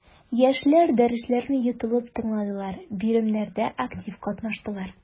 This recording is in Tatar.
Яшьләр дәресләрне йотлыгып тыңладылар, биремнәрдә актив катнаштылар.